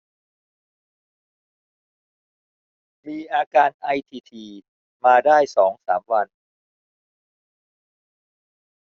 มีอาการไอถี่ถี่มาได้สองสามวัน